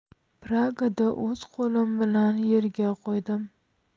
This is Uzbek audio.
pragada o'z qo'lim bilan yerga qo'ydim